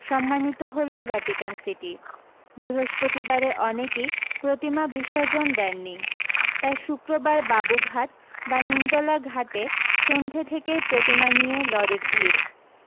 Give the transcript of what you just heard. সম্মানিত হল Vatican city বৃহস্পতিবারে অনেকই প্রতিমা বিসর্জন দেননি তাই শুক্রবার বাবুঘাট বা নিমতলা ঘাটে সন্ধে থেকেই প্রতিমা নিয়ে লরির ভিড়